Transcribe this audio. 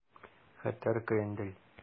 Хәтәр крендель